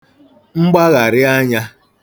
mgbaghàrị anyā